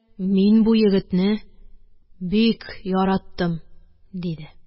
Мин бу егетне бик яраттым, – диде.